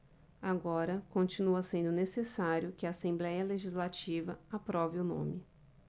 agora continua sendo necessário que a assembléia legislativa aprove o nome